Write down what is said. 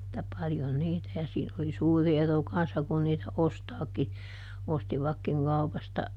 että paljon niitä ja siinä oli suuri ero kanssa kun niitä ostaakin ostivatkin kaupasta